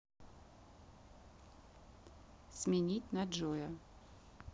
сменить на джоя